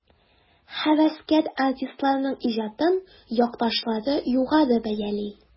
Һәвәскәр артистларның иҗатын якташлары югары бәяли.